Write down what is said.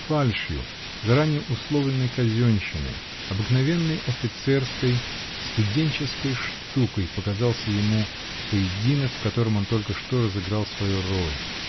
Фальшью, заранее условленной казенщиной, обыкновенной офицерской, студенческой штукой показался ему поединок, в котором он только что разыграл свою роль.